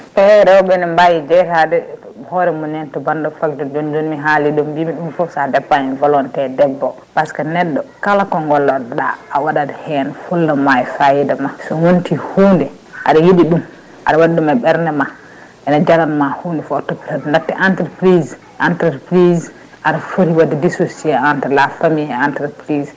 hol hen rewɓe ne mbawi jeytade hoore mumen to banggue faggudu joni joni mi haali ɗum mbimi ɗum foof sa ɗacani volonté debbo o par ce que neɗɗo kala ko gollanɗa a waɗat hen fullama e fayida ma so yonti hunde aɗa yiiɗi ɗum aɗa waɗi ɗum e ɓeerde ma ene jaranma hunde fo a toppitoto dakhte entreprise aɗa foti wadde dissocié entre la famille et entreprise